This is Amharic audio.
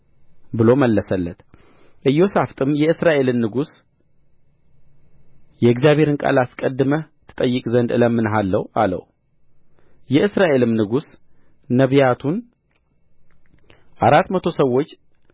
ብሎ መለሰለት ኢዮሣፍጥም የእስራኤልን ንጉሥ የእግዚአብሔርን ቃል አስቀድመህ ትጠይቅ ዘንድ እለምንሃለሁ አለው የእስራኤልም ንጉሥ ነቢያቱን አራት መቶ ሰዎች